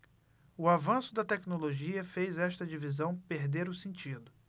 o avanço da tecnologia fez esta divisão perder o sentido